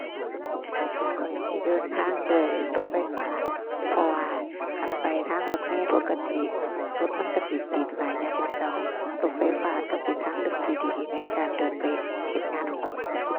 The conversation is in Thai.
ข้อยสิเดินทางด้วยรถไฟฟ้า เพราะว่าคันไปทางรถเมล์ปกติ รถมันก็สิติดหลายยามมื้อก็ รถไฟฟ้าก็เป็นทางเลือกที่ดีในการเดินไปเฮ็ดงานของข้อย